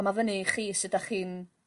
On' ma' fyny i chi sud dach chi'n